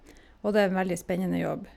Og det er en veldig spennende jobb.